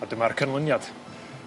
A dyma'r canlyniad.